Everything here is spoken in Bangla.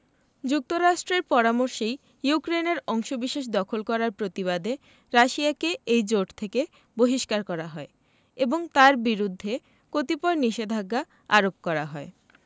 যুক্তরাষ্ট্রের পরামর্শেই ইউক্রেনের অংশবিশেষ দখল করার প্রতিবাদে রাশিয়াকে এই জোট থেকে বহিষ্কার করা হয় এবং তার বিরুদ্ধে কতিপয় নিষেধাজ্ঞা আরোপ করা হয়